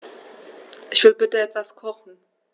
Ich will bitte etwas kochen.